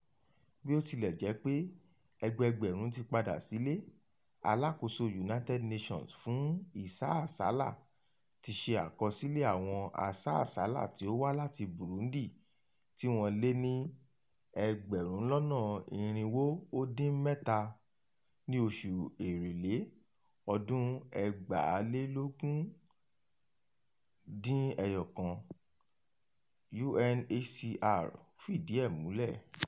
Bí ó tilẹ̀ jẹ́ pé ẹgbẹẹgbẹ̀rún ti padà sílé, alákòóso United Nations fún ìsásàálà ti ṣe àkọsílẹ̀ àwọn asásàálà tí ó wá láti Burundi tí wọ́n lé ní 347,000 ní oṣù Èrèlé 2019, UNHCR fìdí ẹ̀ múlẹ̀: